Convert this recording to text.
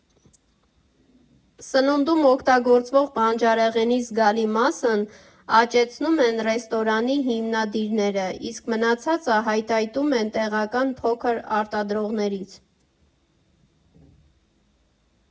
Սնունդում օգտագործվող բանջարեղենի զգալի մասն աճեցնում են ռեստորանի հիմնադիրները, իսկ մնացածը հայթայթում են տեղական փոքր արտադրողներից։